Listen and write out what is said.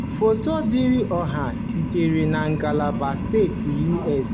Foto Dịịrị Ọha sitere na Ngalaba Steeti US.